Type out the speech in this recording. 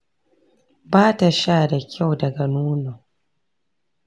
ba ta sha da kyau daga nonon.